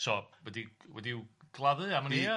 So wedi wedi i'w gladdu am wn i... Ia ia.